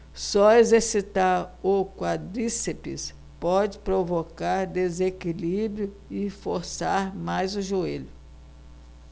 só exercitar o quadríceps pode provocar desequilíbrio e forçar mais o joelho